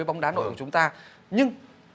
bóng đá nội ứng chúng ta nhưng